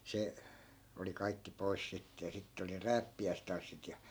se oli kaikki pois sitten ja sitten oli ne rääppiäistanssit ja